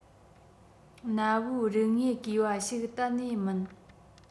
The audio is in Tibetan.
གནའ བོའི རིག དངོས རྐུས བ ཞིག གཏན ནས མིན